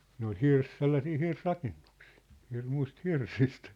ne oli - sellaisia hirsirakennuksia hirmuisista hirsistä